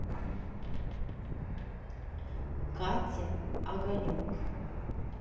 катя огонек